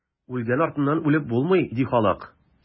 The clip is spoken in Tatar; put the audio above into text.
Үлгән артыннан үлеп булмый, ди халык.